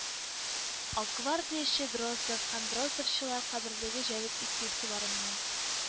Акгвардияче Дроздов һәм дроздовчылар каберлеге җәлеп итте игътибарымны